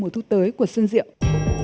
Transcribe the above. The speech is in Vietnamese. mùa thu tới của xuân diệu